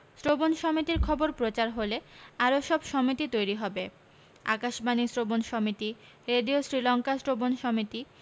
শ্রবণ সমিতির খবর প্রচার হলে আরো সব সমিতি তৈরি হবে আকাশবাণী শ্রবণ সমিতি রেডিও শীলংকা শ্রবণ সমিতি